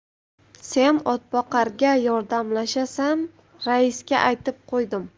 sen otboqarga yordamlashasan raisga aytib qo'ydim